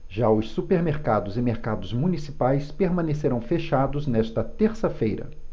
já os supermercados e mercados municipais permanecerão fechados nesta terça-feira